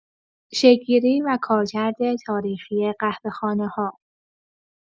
شکل‌گیری و کارکرد تاریخی قهوه‌خانه‌ها